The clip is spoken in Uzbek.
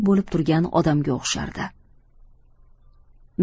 bo'lib turgan odamga o'xshardi